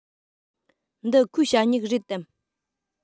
འདི ཁོའི ཞ སྨྱུག རེད དམ